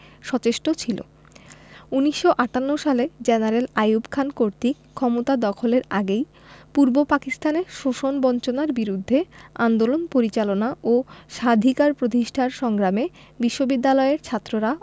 সচেষ্ট ছিল ১৯৫৮ সালে জেনারেল আইয়ুব খান কর্তৃক ক্ষমতা দখলের আগেই পূর্ব পাকিস্তানে শোষণ বঞ্চনার বিরুদ্ধে আন্দোলন পরিচালনা ও স্বাধিকার প্রতিষ্ঠার সংগ্রামে বিশ্ববিদ্যালয়ের ছাত্ররা